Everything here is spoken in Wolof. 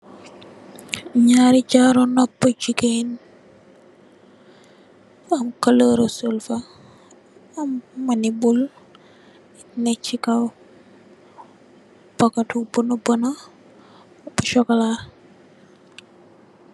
Naari jaaru noppa jigeen bu am kuluuri silver melne bull neh si kaw packeti buna buna vu chocola.